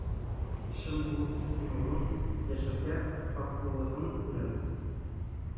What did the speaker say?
Чын булу ихтималын, яшәргә хаклылыгын күрәбез.